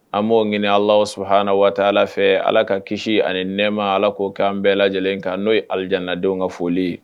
An'o ɲini suhauna waati ala fɛ ala ka kisi ani nɛma ala ko k'an bɛɛ lajɛlen in kan n'o ye alidanadenw ka foli ye